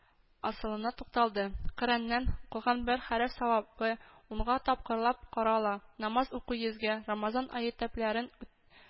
Асылына тукталды, коръәннән укылган бер хәреф савабы унга тапкырлап карала, намаз уку йозгә, рамазан ае тәләпләрен ү